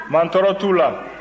mantɔɔrɔ t'u la